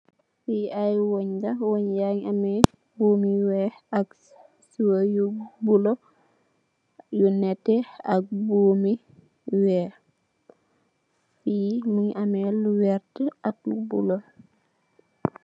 Fi ay wënn la, wënn ya ngi ameh buum yu weeh ak so yu bulo, lu netè ak buumi weeh. Fi mungi ameh lu vert ak lu bulo.